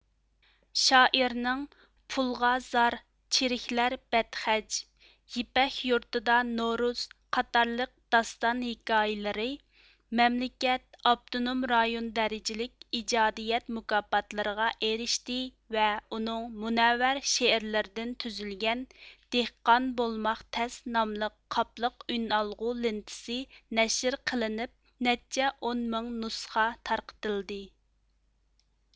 شائىرنىڭ پۇلغا زار چىرىكلەر بەدخەچ يىپەك يۇرتىدا نورۇز قاتارلىق داستان ھېكايىلىرى مەملىكەت ئاپتونۇم رايون دەرىجىلىك ئىجادىيەت مۇكاپاتلىرىغا ئېرىشتى ۋە ئۇنىڭ مۇنەۋۋەر شىئېرلىردىن تۈزۈلگەن دېھقان بولماق تەس ناملىق قاپلىق ئۈنئالغۇ لېنتىسى نەشىر قىلنىپ نەچچە ئون مىڭ نۇسخا تارقىتىلدى